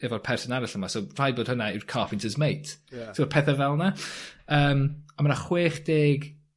efo'r person arall yma so rhaid bod hwnna yw'r carpenters mate... Ie. ...so y pethe fel 'na yym a ma' 'na chwech deg